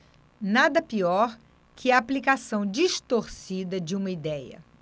nada pior que a aplicação distorcida de uma idéia